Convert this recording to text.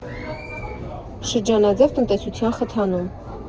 Շրջանաձև տնտեսության խթանում։